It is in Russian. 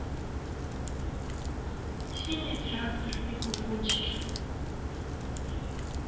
синий трактор и кукутики